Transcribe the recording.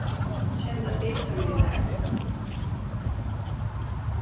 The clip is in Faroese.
kemur tú ein biltúr við mær